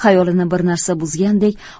xayolini bir narsa buzgandek